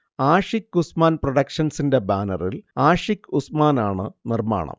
ആഷിക് ഉസ്മാൻ പ്രൊഡക്ഷൻസിന്റെ ബാനറിൽ ആഷിഖ് ഉസ്മാനാണ് നിർമാണം